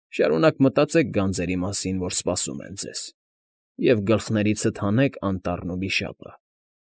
Շարունակ մտածեք գանձերի մասին, որ սպասում են ձեզ, և գլխներիցդ հանեք անտառն ու վիշապը։